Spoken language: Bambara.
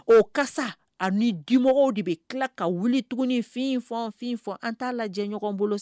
O ka ani ni dimɔgɔ de bɛ tila ka wuli tuguni fɔ fɔ an t'a lajɛ ɲɔgɔn bolo